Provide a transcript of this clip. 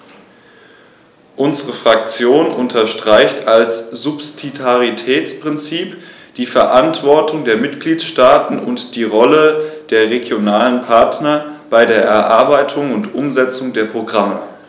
Unsere Fraktion unterstreicht das Subsidiaritätsprinzip, die Verantwortung der Mitgliedstaaten und die Rolle der regionalen Partner bei der Erarbeitung und Umsetzung der Programme.